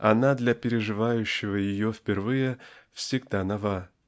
она для переживающего ее впервые всегда нова